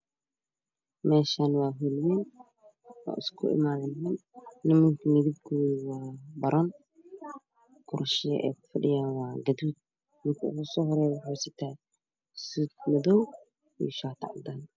Meeshaan waa howl wayn oo isku imaadeen niman. Nimanka midabkooda waa boroom kursiyo ay ku fadhiyaan waa gaduud. Ninka ugu soo horeeyo waxa uu wadaa suud madow iyo shaati cadaan .